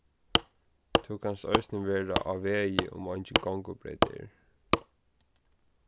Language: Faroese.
tú kanst eisini vera á vegi um eingin gongubreyt er